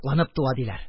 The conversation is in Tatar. Аякланып туа, диләр.